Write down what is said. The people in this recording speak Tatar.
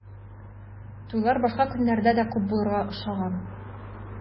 Туйлар башка көннәрдә дә күп булырга охшаган.